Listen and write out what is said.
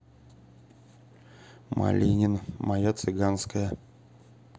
малинин моя цыганская